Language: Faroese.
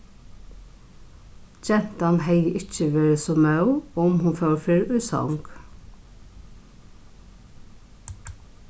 gentan hevði ikki verið so móð um hon fór fyrr í song